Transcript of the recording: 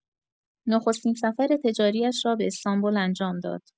نخستین سفر تجاری‌اش را به استانبول انجام داد.